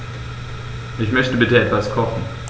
Ich möchte bitte etwas kochen.